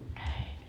näin